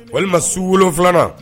Walima su wolo filanan